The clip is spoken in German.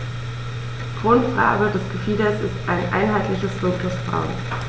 Grundfarbe des Gefieders ist ein einheitliches dunkles Braun.